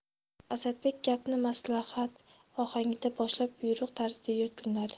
asadbek gapni maslahat ohangida boshlab buyruq tarzida yakunladi